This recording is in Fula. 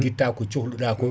guitta ko cohluɗa ko